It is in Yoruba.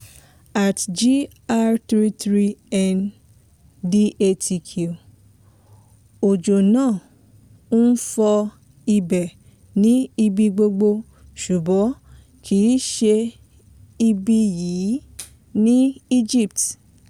@gr33ndatq : Òjò máa ń fọ ibẹ̀ ní ibi gbogbo ṣùgbọ́n kìí ṣe ibí yìí ní Egypt.